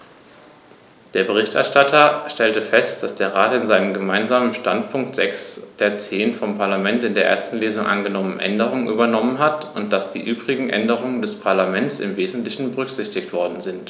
Der Berichterstatter stellte fest, dass der Rat in seinem Gemeinsamen Standpunkt sechs der zehn vom Parlament in der ersten Lesung angenommenen Änderungen übernommen hat und dass die übrigen Änderungen des Parlaments im wesentlichen berücksichtigt worden sind.